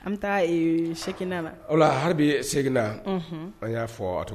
An bɛ taa seg na o hali segla an y'a fɔ a tugun